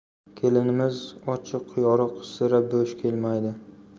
kelinimiz ochiq yoriq sira bo'sh kelmaydi